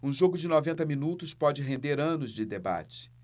um jogo de noventa minutos pode render anos de debate